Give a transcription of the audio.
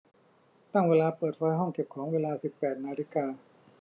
ตั้งเวลาเปิดไฟห้องเก็บของเวลาสิบแปดนาฬิกา